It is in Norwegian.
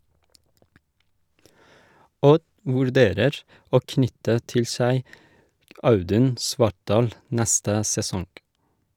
Odd vurderer å knytte til seg Audun Svartdal neste sesong.